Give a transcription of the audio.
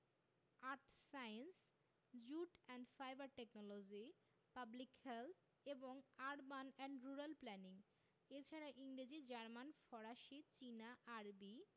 earth science jute and fibre technology public health এবং urban and rural planning এছাড়া ইংরেজি German ফরাসি চীনা আরবি